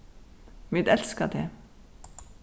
vit elska teg